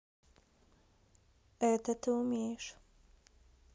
это ты умеешь